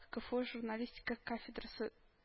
КФУ журналистика кафедрасы